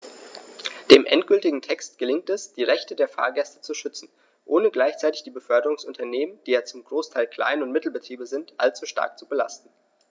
Dem endgültigen Text gelingt es, die Rechte der Fahrgäste zu schützen, ohne gleichzeitig die Beförderungsunternehmen - die ja zum Großteil Klein- und Mittelbetriebe sind - allzu stark zu belasten.